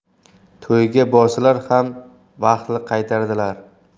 to'yga borsalar ham vaqtli qaytardilar